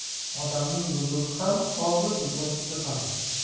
odamning buzug'i ham qozi buzg'unchisi ham